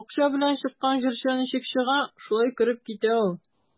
Акча белән чыккан җырчы ничек чыга, шулай кереп китә ул.